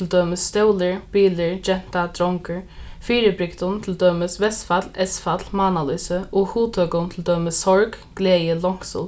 til dømis stólur bilur genta drongur fyribrigdum til dømis vestfall eystfall mánalýsi og hugtøkum til dømis sorg gleði longsul